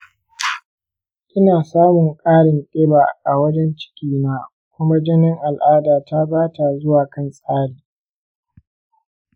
ina samun ƙarin ƙiba a wajen ciki na kuma jinin al’adata ba ta zuwa kan tsari.